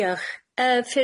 Diolch.